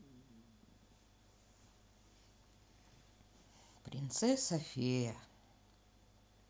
принцесса фея